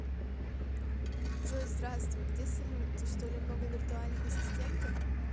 джой здравствуй где салют ты что ли много виртуальных ассистентов